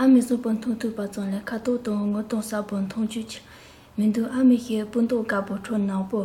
ཨ མའི གཟུགས པོ མཐོང ཐུབ པ ཙམ ལས ཁ དོག དང ངོ གདོང གསལ པོར མཐོང ཐུབ ཀྱི མི འདུག ཨ མའི སྤུ མདོག དཀར པོའི ཁྲོད ནག པོ